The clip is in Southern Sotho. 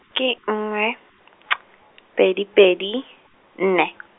ke nngwe , pedi pedi, nne.